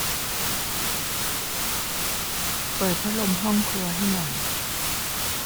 เปิดพัดลมห้องครัวให้หน่อย